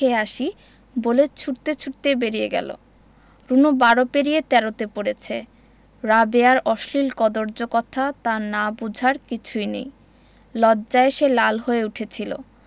খেয়ে আসি বলে ছুটতে ছুটতে বেরিয়ে গেল রুনু বারো পেরিয়ে তেরোতে পড়েছে রাবেয়ার অশ্লীল কদৰ্য কথা তার না বুঝার কিছুই নেই লজ্জায় সে লাল হয়ে উঠেছিলো